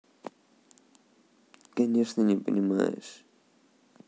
конечно не понимаешь